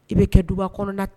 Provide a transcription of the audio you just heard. I bɛ kɛ duba kɔnɔ na